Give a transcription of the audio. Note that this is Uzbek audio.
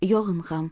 yog'in ham